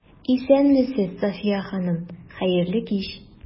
Исәнмесез, Сафия ханым, хәерле кич!